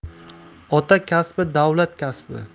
ota kasbi davlat kasbi